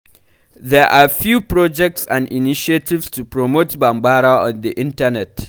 There are few projects and initiatives to promote Bambara on the internet.